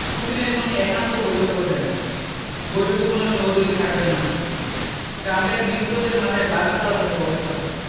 পুতিনের সঙ্গে একান্ত বৈঠক করবেন বৈঠকে কোনো সহযোগী থাকবেন না ট্রাম্পের মিত্রদের মাথায় বাজ পড়ার মতো অবস্থা